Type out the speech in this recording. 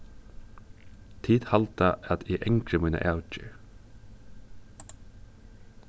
tit halda at eg angri mína avgerð